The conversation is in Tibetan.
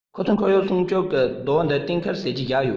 ང ཚོས ཁོར ཡུག སྲུང སྐྱོང གི རྡོག འདི གཏན འཁེལ བྱས རྗེས བཞག ཡོད